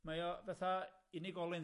Mae o fatha unigolyn.